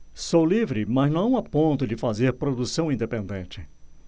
sou livre mas não a ponto de fazer produção independente